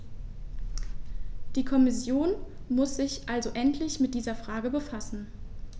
Die Kommission muss sich also endlich mit dieser Frage befassen.